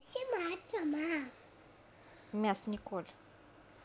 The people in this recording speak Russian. мяс николь